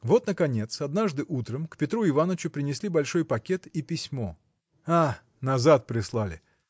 Вот наконец однажды утром к Петру Иванычу принесли большой пакет и письмо. – А! назад прислали!